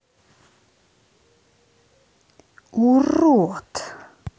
урод